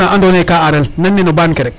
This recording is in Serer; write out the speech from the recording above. ndaxar na ando naye ka arel nanene mbakere